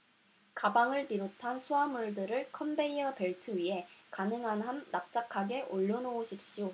가방을 비롯한 수하물들을 컨베이어 벨트 위에 가능한 한 납작하게 올려놓으십시오